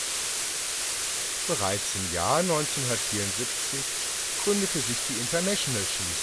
Bereits im Jahr 1974 gründete sich die International Chili